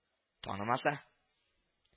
Танымаса